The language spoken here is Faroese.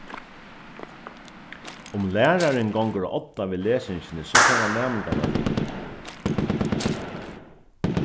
um lærarin gongur á odda við lesingini so fær hann næmingarnar við